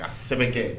Ka sɛbɛn kɛ